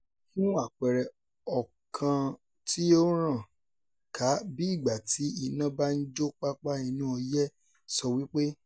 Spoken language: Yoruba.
Fún àpẹẹrẹ, ọ̀kan tí ó ràn ká bí ìgbà tí iná bá ń jó pápá inú ọyẹ́ sọ wípé: